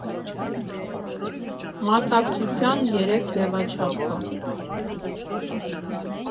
Մասնակցության երեք ձևաչափ կա.